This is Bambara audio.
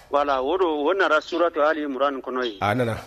Voilà o don, o nana suratuli Ali imurani kɔnɔ yen, a nana